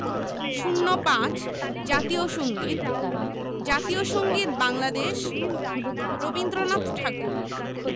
০৫ জাতীয় সংগীত জাতীয় সংগীত বাংলাদেশ রবীন্দ্রনাথ ঠাকুর